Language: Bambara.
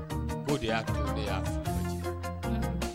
O de y'a'a